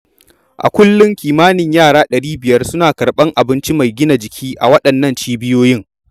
A kullum kimanin yara 500 suna karɓar abinci mai gina jiki a waɗannan cibiyoyin.